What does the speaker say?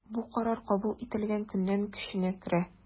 Бу карар кабул ителгән көннән көченә керә.